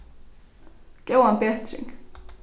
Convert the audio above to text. góðan betring